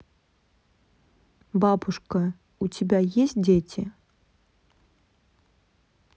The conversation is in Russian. бабушка у тебя есть дети